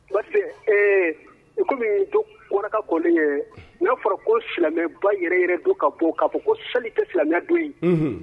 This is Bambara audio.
Basi tɛ, ee coomme donc n'a fɔra ko silamɛba yɛrɛ yɛrɛ dɔ ka bɔ k'a fɔ ko seli tɛ silamɛya dɔ ye, unhun.